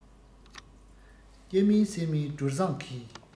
སྐྱ མིན སེར མིན སྒྲོལ བཟང གིས